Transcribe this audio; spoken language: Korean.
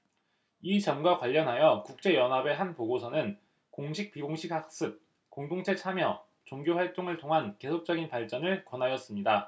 이 점과 관련하여 국제 연합의 한 보고서는 공식 비공식 학습 공동체 참여 종교 활동을 통한 계속적인 발전을 권하였습니다